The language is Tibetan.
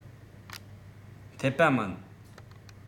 འཐད པ མིན